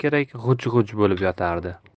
kerak g'uj g'uj bo'lib yotardi